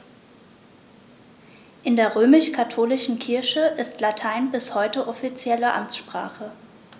In der römisch-katholischen Kirche ist Latein bis heute offizielle Amtssprache.